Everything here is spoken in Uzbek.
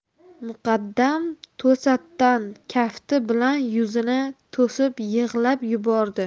muqaddam to'satdan kafti bilan yuzini to'sib yig'lab yubordi